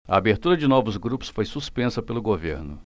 a abertura de novos grupos foi suspensa pelo governo